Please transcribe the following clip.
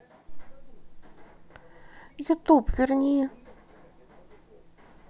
ютуб верни